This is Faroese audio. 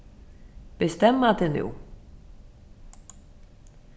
bestemma teg nú